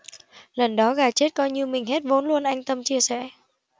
lần đó gà chết coi như mình hết vốn luôn anh tâm chia sẻ